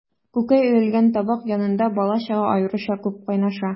Күкәй өелгән табак янында бала-чага аеруча күп кайнаша.